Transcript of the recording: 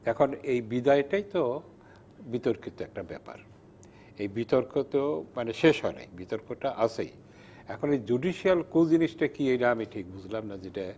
এখন এই বিদায়টাইতো বিতর্কিত একটা ব্যাপার এ বিতর্ক তো শেষ হয় নাই বিতর্ক টা আছে এখন এই জুডিশিয়াল ক্যু জিনিসটা কি এটা আমি ঠিক বুঝলাম না যেটা